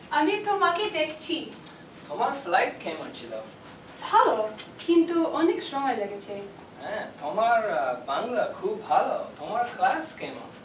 আমি তোমাকে দেখছি তোমার ফ্লাইট কেমন ছিল ভালো কিন্তু অনেক সময় লেগেছে তোমার বাংলা খুব ভালো তোমার কাজ কেমন